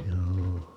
joo